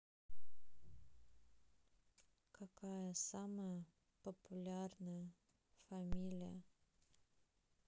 какая самая популярная фамилия